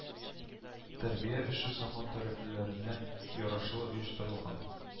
Тәрбия эше заман таләпләренә арашлы оештырылган